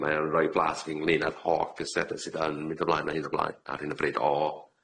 Mae o yn roi blas i ni ynglŷn â'r holl sydd yn mynd ymlaen a un ymlaen ar hyn o bryd o